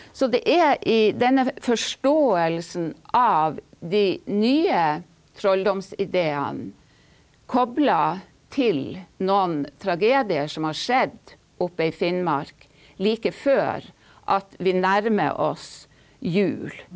så det er i denne forståelsen av de nye trolldomsideene kobla til noen tragedier som har skjedd oppe i Finnmark like før at vi nærmer oss jul.